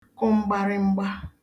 kụ mgbarịmgba